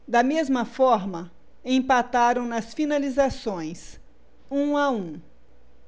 da mesma forma empataram nas finalizações um a um